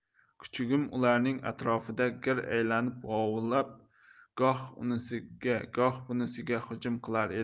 kuchugim ularning atrofida gir aylanib vovullar goh unisiga goh bunisiga hujum qilar edi